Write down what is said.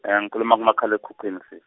ng'khuluma kumakhal' ekhukhwin-.